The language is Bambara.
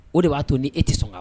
O de b'a to ni e tɛ sɔn ka